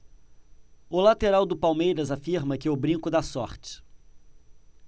o lateral do palmeiras afirma que o brinco dá sorte